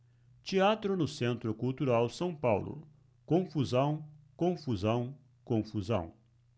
teatro no centro cultural são paulo confusão confusão confusão